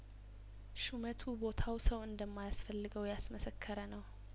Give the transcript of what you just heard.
ሹመቱ ቦታው ሰው እንደማ ያስፈልገው ያስመሰከረ ነው